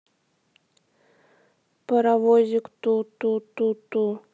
паровозик ту ту ту ту